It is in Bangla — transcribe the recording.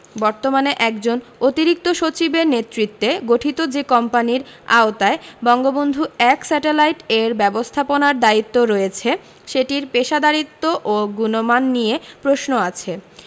বর্তমানে একজন অতিরিক্ত সচিবের নেতৃত্বে গঠিত যে কোম্পানির আওতায় বঙ্গবন্ধু ১ স্যাটেলাইট এর ব্যবস্থাপনার দায়িত্ব রয়েছে সেটির পেশাদারিত্ব ও গুণমান নিয়ে প্রশ্ন আছে